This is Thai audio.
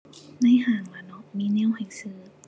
ในห้างล่ะเนาะ มีแนวให้ซื้อ